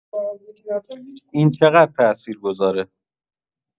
این چقدر تاثیر گذاره؟